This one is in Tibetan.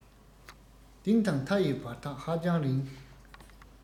གཏིང དང མཐའ ཡི བར ཐག ཧ ཅང རིང